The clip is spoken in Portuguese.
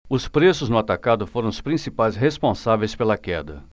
os preços no atacado foram os principais responsáveis pela queda